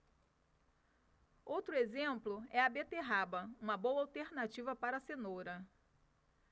outro exemplo é a beterraba uma boa alternativa para a cenoura